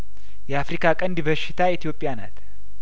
የአፍሪካ ቀንድ በሽታ ኢትዮጵያ ናት